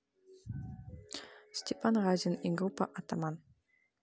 степан разин и группа атаман